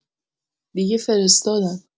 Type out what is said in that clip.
دیگه فرستادن